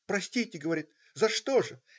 - Простите, говорит, за что же?